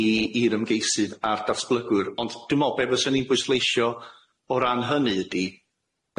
i i'r ymgeisydd a'r datblygwr ond dwi me'wl be' fyswn i'n bwysleisio o ran hynny ydi,